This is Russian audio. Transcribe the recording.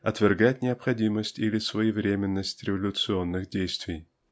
отвергать необходимость или своевременность революционных действий.